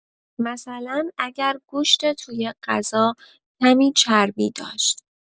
مثلا اگر گوشت توی غذا کمی چربی داشت